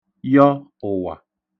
yọ ùwà